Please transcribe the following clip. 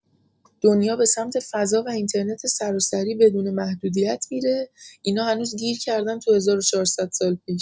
دنیا به سمت فضا و اینترنت سراسری بدون محدودیت می‌ره اینا هنوز گیر کردن تو ۱۴۰۰ سال پیش